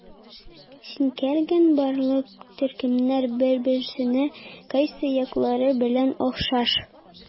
Син кергән барлык төркемнәр бер-берсенә кайсы яклары белән охшаш?